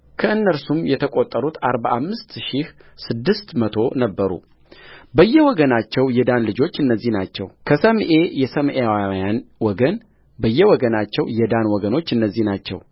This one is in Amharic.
ከእነርሱም የተቈጠሩት አርባ አምስት ሺህ ስድስት መቶ ነበሩበየወገናቸው የዳን ልጆች እነዚህ ናቸው ከሰምዔ የሰምዔያውያን ወገን በየወገናቸው የዳን ወገኖች እነዚህ ናቸው